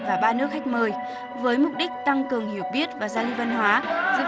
và ba nước khách mời với mục đích tăng cường hiểu biết và giao